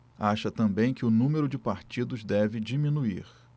acha também que o número de partidos deve diminuir